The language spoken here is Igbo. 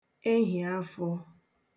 ehìafọ̄